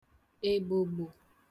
ègbògbò